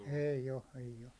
ei ole ei ole